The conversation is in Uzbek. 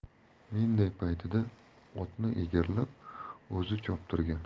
menday paytida otni egarlab o'zi choptirgan